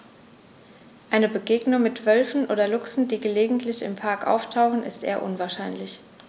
Eine Begegnung mit Wölfen oder Luchsen, die gelegentlich im Park auftauchen, ist eher unwahrscheinlich.